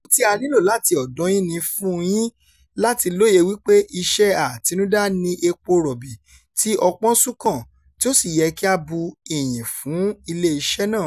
Ohun tí a nílò láti ọ̀dọ̀ọ yín ní fún un yín láti lóye wípé iṣẹ́ àtinudá ni epo rọ̀bì tí ọpọ́n sún kàn tí ó sì yẹ kí a bu ìyìn fún iléeṣẹ́ náà.